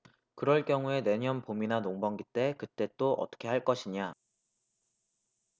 그럴 경우에 내년 봄이나 농번기 때 그때 또 어떻게 할 것이냐